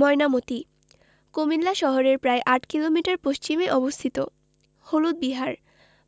ময়নামতি কুমিল্লা শহরের প্রায় ৮ কিলোমিটার পশ্চিমে অবস্থিত হলুদ বিহার